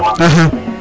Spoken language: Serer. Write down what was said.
axa